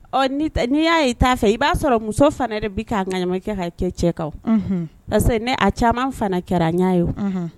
N'i y'a ye t a fɛ i b'a sɔrɔ muso fana bɛ k'a ka ɲamakalakɛ ka kɛ cɛ kan parce ne a caman fana kɛra ɲɛ ye